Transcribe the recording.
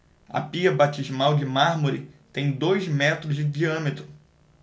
a pia batismal de mármore tem dois metros de diâmetro